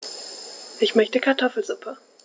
Ich möchte Kartoffelsuppe.